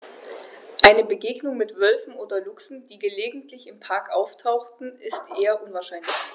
Eine Begegnung mit Wölfen oder Luchsen, die gelegentlich im Park auftauchen, ist eher unwahrscheinlich.